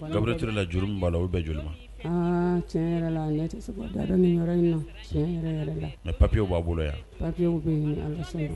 La juru'a la o bɛ joli ma mɛ papiye b' a bolo yan papi